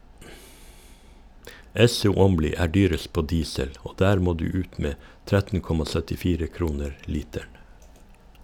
Esso Åmli er dyrest på diesel, og der må du ut med 13,74 kroner literen.